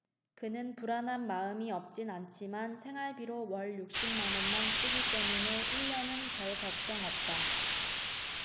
그는 불안한 마음이 없진 않지만 생활비로 월 육십 만원만 쓰기 때문에 일 년은 별걱정 없다